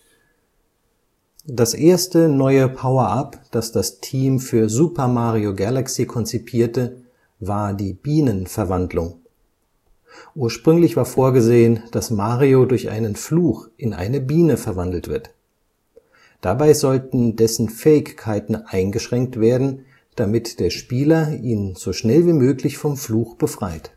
Das erste neue Power-up, das das Team für Super Mario Galaxy konzipierte, war die Bienenverwandlung: Ursprünglich war vorgesehen, dass Mario durch einen Fluch in eine Biene verwandelt wird. Dabei sollten dessen Fähigkeiten eingeschränkt werden, damit der Spieler ihn so schnell wie möglich vom Fluch befreit